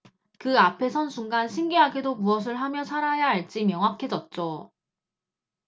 그 앞에 선 순간 신기하게도 무엇을 하며 살아야 할지 명확해졌죠